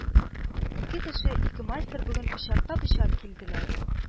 Ике кеше, ике мастер бүген пычакка-пычак килделәр: